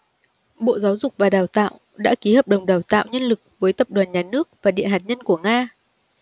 bộ giáo dục và đào tạo đã ký hợp đồng đào tạo nhân lực với tập đoàn nhà nước và điện hạt nhân của nga